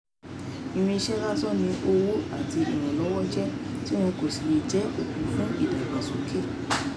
Irinṣẹ́ lásán ni owó àti ìrànlọ́wọ́ jẹ́ tí wọn kò sì lè jẹ́ òpó fún ìdàgbàsókè.